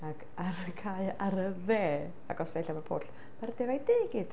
Ac ar y cae ar y dde agosa i Llanfairpwll mae'r defaid du i gyd.